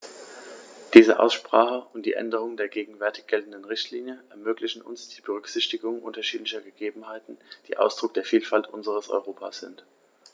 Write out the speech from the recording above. Diese Aussprache und die Änderung der gegenwärtig geltenden Richtlinie ermöglichen uns die Berücksichtigung unterschiedlicher Gegebenheiten, die Ausdruck der Vielfalt unseres Europas sind.